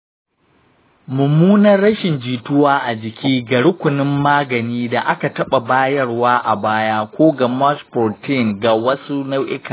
mummunar rashin jituwa a jiki ga rukunin magani da aka taɓa bayarwa a baya ko ga mouse protein ga wasu nau’ikan.